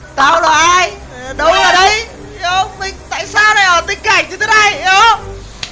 tao là ai đâu là đây hiểu không mình tại sao lại ở tình cảnh như thế này hiểu không